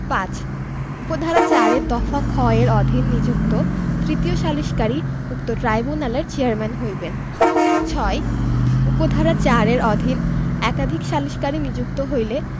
৫ উপ ধারা ৪ এর দফা খ এর অধীন নিযুক্ত তৃতীয় সালিসকারী উক্ত ট্রাইব্যুনালের চেয়ারম্যান হইবেন ৬ উপ ধারা ৪ এর অধীন একাধিক সালিসকারী নিযুক্ত হইলে